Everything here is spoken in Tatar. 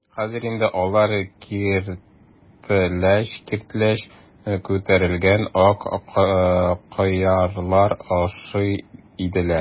Хәзер инде алар киртләч-киртләч күтәрелгән ак кыяларга охшый иделәр.